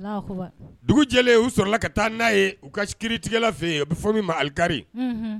Alahu akbar dugu jɛlen u sɔrɔla ka taa n'a ye u ka s kiiritigɛla fe ye be fɔ min ma alikari unhun